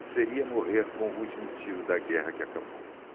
seria morrer com o último tiro da guerra que acabou